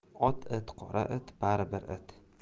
oq it qora it bari bir it